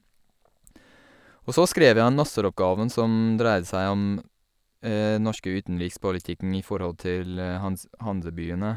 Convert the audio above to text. Og så skrev jeg en masteroppgaven, som dreide seg om norske utenrikspolitikken i forhold til hans Hansabyene.